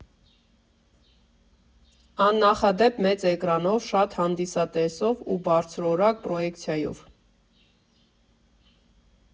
Աննախադեպ մեծ էկրանով, շատ հանդիսատեսով ու բարձրորակ պրոյեկցիայով։